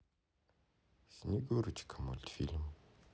снегурочка мультфильм